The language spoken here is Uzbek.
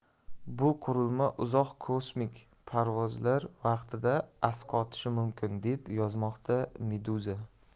bu qurilma uzoq kosmik parvozlar vaqtida asqotishi mumkin deb yozmoqda meduza